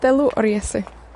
dewl o'r Iesu.